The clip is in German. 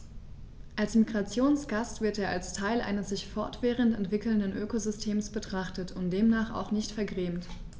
Als Migrationsgast wird er als Teil eines sich fortwährend entwickelnden Ökosystems betrachtet und demnach auch nicht vergrämt.